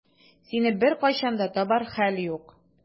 Сине беркайчан да табар хәл юк.